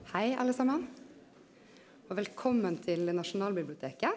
hei alle saman og velkommen til Nasjonalbiblioteket.